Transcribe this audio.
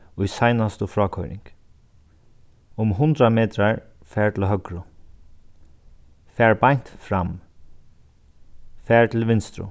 í seinastu frákoyring um hundrað metrar far til høgru far beint fram far til vinstru